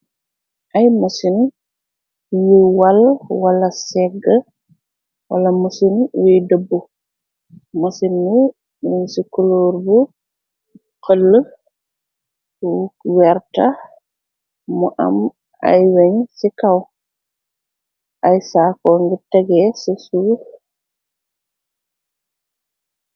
Ay mësin yu wàl wala segga, Wala mësin yuy dabu mësinu nin ci kulor bu xël, werta mu am ay weñ ci kaw ay saako ngi tegee ci suuf.